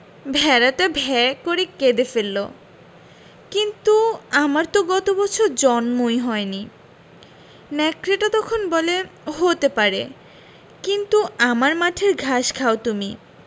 ভেড়াটা ভ্যাঁ করে কেঁদে ফেলল কিন্তু আমার তো গত বছর জন্মই হয়নি নেকড়েটা তখন বলে হতে পারে কিন্তু আমার মাঠের ঘাস খাও তুমি